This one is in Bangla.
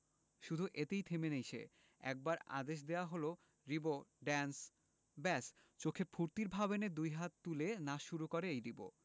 শুধু এতেই থেমে নেই সে একবার আদেশ দেওয়া হলো রিবো ড্যান্স ব্যাস চোখে ফূর্তির ভাব এনে দুই হাত তুলে নাচ শুরু করে রিবো